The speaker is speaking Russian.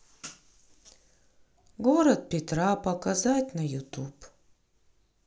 город петра показать на ютуб